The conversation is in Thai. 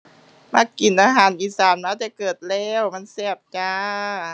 มักกินอาหารอีสานมาแต่เกิดแล้ว มันแซ่บจ้า